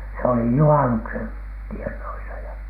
se oli juhannuksen tienoissa ja